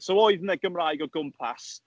So oedd 'na Gymraeg o gwmpas.